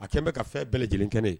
A kɛlen bɛ ka fɛn bɛɛ lajɛlen kɛnɛ